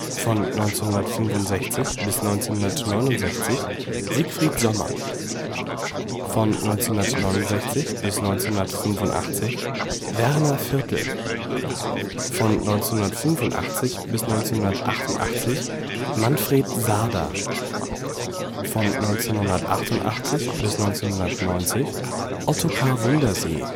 1965 – 1969 Siegfried Sommer 1969 – 1985 Werner Viertel 1985 – 1988 Manfred Sader 1988 – 1990 Ottokar Wundersee